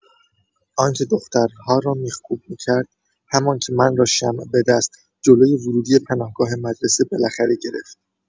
آن‌که دخترها را میخکوب می‌کرد، همان که من را شمع‌به‌دست، جلو ورودی پناهگاه مدرسه بالاخره گرفت.